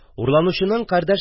Урланучының кардәш